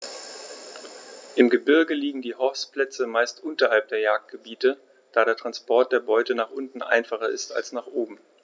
Im Gebirge liegen die Horstplätze meist unterhalb der Jagdgebiete, da der Transport der Beute nach unten einfacher ist als nach oben.